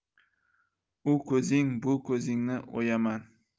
u ko'zing bu ko'zingni o'yaman